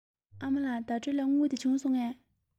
ཨ མ ལགས ཟླ སྒྲོན ལ དངུལ དེ བྱུང སོང ངས